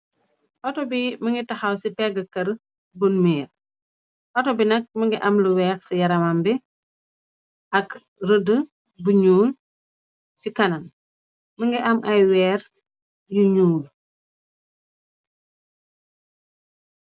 Otto bi mugii taxaw si pegg Kèr guñ miireh, Otto bi nak mugii am lu wèèx si yaramam bi ak redd bu ñuul si kanam. Mugii am ay wèèr yu ñuul.